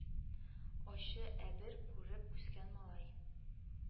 Ачы әбер күреп үскән малай